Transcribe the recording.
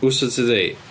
WSA Today.